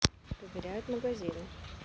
проверяют магазины